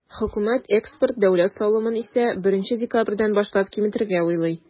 Хөкүмәт экспорт дәүләт салымын исә, 1 декабрьдән башлап киметергә уйлый.